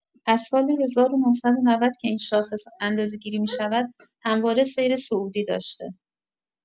از سال ۱۹۹۰ که این شاخص اندازه‌گیری می‌شود، همواره سیر صعودی داشته.